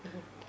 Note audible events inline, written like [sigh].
[hesitation] [hesitation]